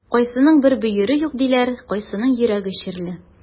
Кайсының бер бөере юк диләр, кайсының йөрәге чирле.